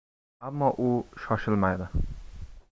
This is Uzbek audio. ammo u shoshilmadi